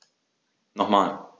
Nochmal.